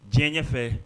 Diɲɛ ɲɛ fɛ